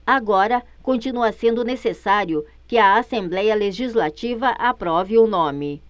agora continua sendo necessário que a assembléia legislativa aprove o nome